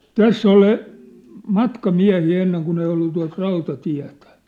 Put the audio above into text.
tässä oli matkamiehiä ennen kun ei ollut tuota rautatietä